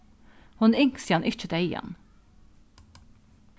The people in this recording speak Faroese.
hon ynskti hann ikki deyðan